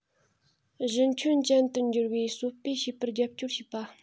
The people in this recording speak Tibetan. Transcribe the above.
གཞི ཁྱོན ཅན དུ འགྱུར བའི གསོ སྤེལ བྱེད པར རྒྱབ སྐྱོར བྱེད པ